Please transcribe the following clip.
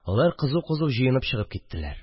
Алар кызу-кызу җыенып чыгып киттеләр